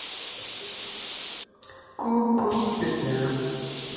куку песня